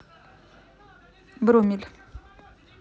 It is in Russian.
брумель